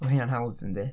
Mae heina'n hawdd yndy.